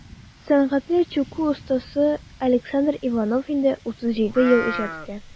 Сәнгатьле чүкү остасы Александр Иванов инде 37 ел иҗат итә.